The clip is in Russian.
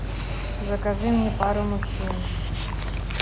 закажи мне пару мужчин